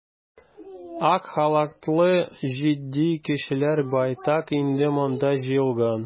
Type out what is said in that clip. Ак халатлы җитди кешеләр байтак инде монда җыелган.